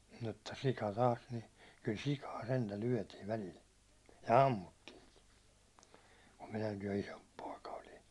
mutta sika taas niin kyllä sikaa sentään lyötiin välillä ja ammuttiinkin kun minäkin jo isompi poika olin